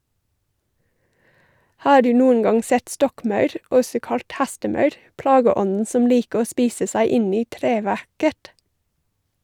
Har du noen gang sett stokkmaur, også kalt hestemaur , plageånden som liker å spise seg inn i treverket?